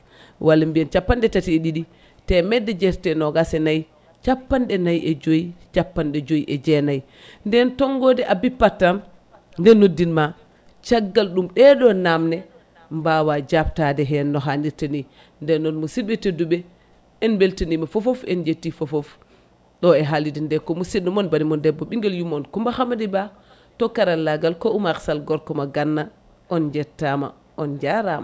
walla mbiyen capanɗe tati e ɗiɗi temedde jeetati e nogas e nayyi capanɗe nayyi e joyyi capanɗe joyyi e jeenayyi nden tonggode a bippat atn nde nodditma caggal ɗeɗo namde mbawa jabtade hen no hannirta ni nden musidɓe tedduɓe en beltanima fofoof en jetti fofoof ɗo e haalirde nde ko musidɗo moon banimon debbo ɓingguel yummon Couba Hamady Ba to karallagal ko Oumar Sall ko gorko mo ganna on jettama on jarama